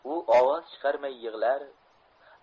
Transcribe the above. u ovoz chiqarmay yig'lar